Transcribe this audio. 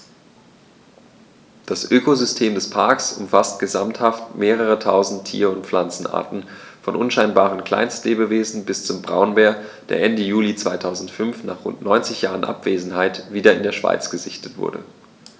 Das Ökosystem des Parks umfasst gesamthaft mehrere tausend Tier- und Pflanzenarten, von unscheinbaren Kleinstlebewesen bis zum Braunbär, der Ende Juli 2005, nach rund 90 Jahren Abwesenheit, wieder in der Schweiz gesichtet wurde.